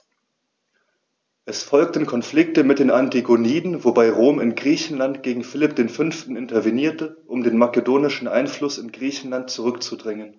Es folgten Konflikte mit den Antigoniden, wobei Rom in Griechenland gegen Philipp V. intervenierte, um den makedonischen Einfluss in Griechenland zurückzudrängen.